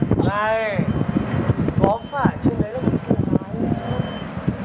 này có phải trên đấy là một cô gái đúng không